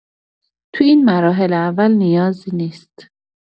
تو این مراحل اول نیازی نیست؟